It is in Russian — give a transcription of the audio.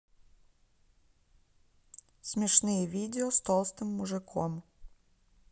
смешные видео с толстым мужиком